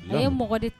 A ye mɔgɔ di